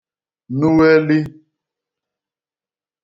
nugheli